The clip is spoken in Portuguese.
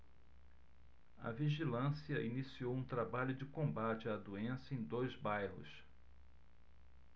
a vigilância iniciou um trabalho de combate à doença em dois bairros